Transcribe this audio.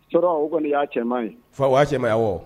S o kɔni y'a cɛ ye fa'a cɛya wa